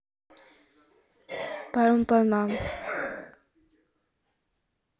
порнуха порнуха